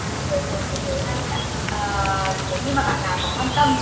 vừa chợt mới nhớ ra thôi ạ ờ nếu như mà bạn nào có quan tâm